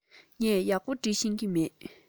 ངས ཡག པོ འབྲི ཤེས ཀྱི མེད